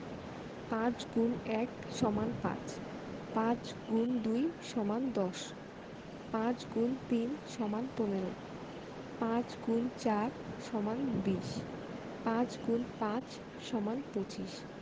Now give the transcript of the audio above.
৫× ১ = ৫ ৫× ২ = ১০ ৫× ৩ = ১৫ ৫× ৪ = ২০ ৫× ৫ = ২৫